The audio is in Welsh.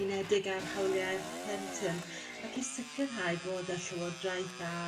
Unedig ar hawliau'r plentyn ac i sicrhau bod y Llywodraeth a